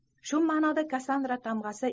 shu ma'noda kassandra tamg'asi